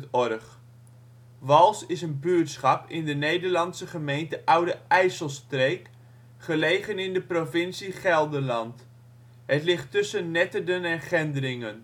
OL Wals Plaats in Nederland Situering Provincie Gelderland Gemeente Oude IJsselstreek Coördinaten 51° 52′ NB, 6° 21′ OL Portaal Nederland Wals is een buurtschap in de Nederlandse gemeente Oude IJsselstreek, gelegen in de provincie Gelderland. Het ligt tussen Netterden en Gendringen